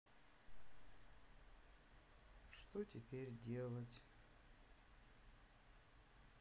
что теперь делать